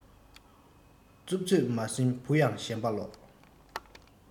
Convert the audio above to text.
རྩུབ ཚོད མ ཟིན བུ ཡང ཞེན པ ལོག